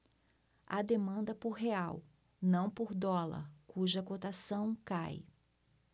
há demanda por real não por dólar cuja cotação cai